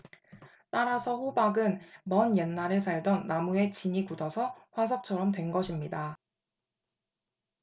따라서 호박은 먼 옛날에 살던 나무의 진이 굳어서 화석처럼 된 것입니다